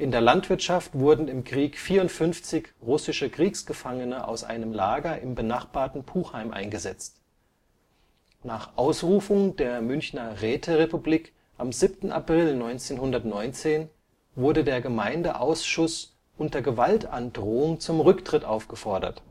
der Landwirtschaft wurden im Krieg 54 russische Kriegsgefangene aus einem Lager im benachbarten Puchheim eingesetzt. Nach Ausrufung der Münchner Räterepublik am 7. April 1919 wurde der Gemeindeausschuss unter Gewaltandrohung zum Rücktritt aufgefordert